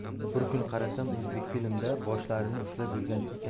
bir kuni qarasam o'zbekfilm da boshlarini ushlab yurgan ekanlar